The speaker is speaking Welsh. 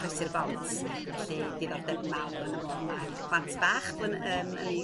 croesi'r bont. Felly, diddordeb mawr yn y modd mae plant bach yn yn i